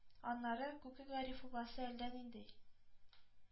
Аннары... Күке Гарифулласы әллә нинди,